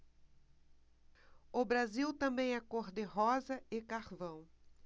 o brasil também é cor de rosa e carvão